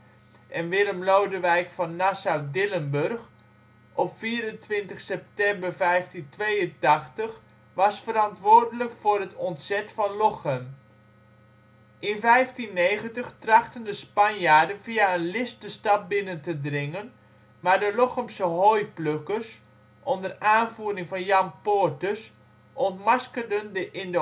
en Willem Lodewijk van Nassau-Dillenburg op 24 september 1582 was verantwoordelijk voor het ontzet van Lochem. In 1590 trachtten de Spanjaarden via een list de stad binnen te dringen, maar de Lochemse " Hooiplukkers ", onder aanvoering van Jan Poorters, ontmaskerden de in